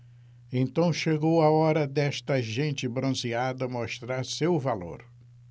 então chegou a hora desta gente bronzeada mostrar seu valor